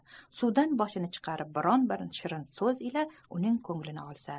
suvdan boshini chiqarib biron bir shirin so'z ila uning ko'nglini olsa